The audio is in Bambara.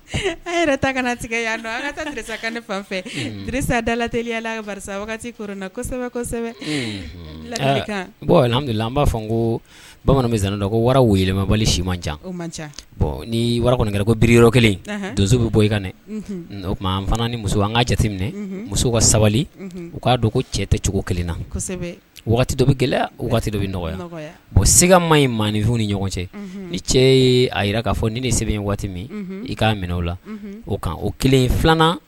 B'a ko ni ko donso bɛ bɔ i o tuma fana ni muso an ka muso ka sabali u k'a dɔn ko cɛ tɛ cogo kelen na dɔ bɛ o bɛ nɔgɔya o se ma ye maa nifin ni ɲɔgɔn cɛ ni cɛ a jira k'a fɔ ni sɛbɛn waati min i k' minɛ o la o o kelen filanan